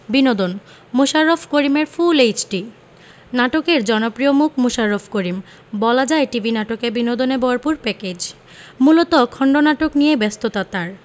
বিনোদন মোশাররফ করিমের full HD নাটকের জনপ্রিয় মুখ মোশাররফ করিম বলা যায় টিভি নাটকে বিনোদনে ভরপুর প্যাকেজ মূলত খণ্ডনাটক নিয়েই ব্যস্ততা তার